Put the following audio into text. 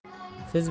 siz bu yerga